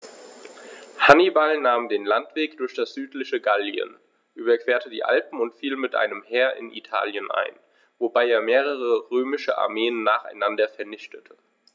Hannibal nahm den Landweg durch das südliche Gallien, überquerte die Alpen und fiel mit einem Heer in Italien ein, wobei er mehrere römische Armeen nacheinander vernichtete.